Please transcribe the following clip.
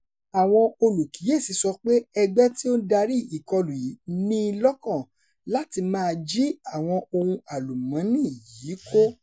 Àwọn olùkíyèsí sọ pé ẹgbẹ́ tí ó ń darí ìkọlù yìí ní i lọ́kàn láti máa jí àwọn ohun àlùmọ́nì yìí kó.